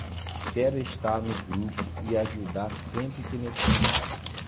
quero estar no grupo e ajudar sempre que necessário